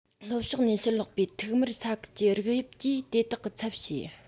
ལྷོ ཕྱོགས ནས ཕྱིར ལོག པའི ཐིག དམར ས ཁུལ གྱི རིགས དབྱིབས ཀྱིས དེ དག གི ཚབ བྱས